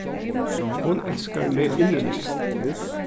hon elskar meg inniliga